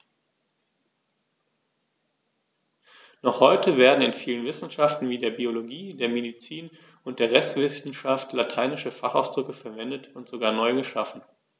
Noch heute werden in vielen Wissenschaften wie der Biologie, der Medizin und der Rechtswissenschaft lateinische Fachausdrücke verwendet und sogar neu geschaffen.